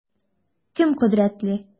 Кем кодрәтле?